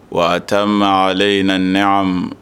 Wa taama aleyi na